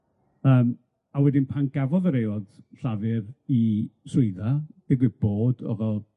yym a wedyn pan gafodd yr aelod llafur 'i swyddfa, digwydd bod o'dd o